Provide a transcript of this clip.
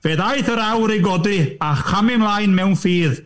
Fe ddaeth yr awr i godi, a chamu ymlaen mewn ffydd.